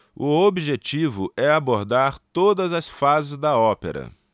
o objetivo é abordar todas as fases da ópera